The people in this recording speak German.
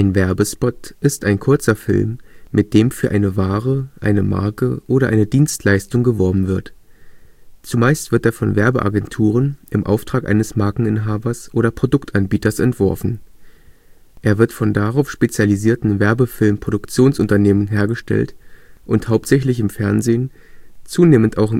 Werbespot ist ein kurzer Film, mit dem für eine Ware, eine Marke oder eine Dienstleistung geworben wird. Zumeist wird er von Werbeagenturen im Auftrag eines Markeninhabers oder Produktanbieters entworfen. Er wird von darauf spezialisierten Werbefilm-Produktionsunternehmen hergestellt und hauptsächlich im Fernsehen, zunehmend auch